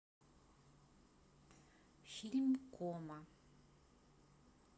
фильм кома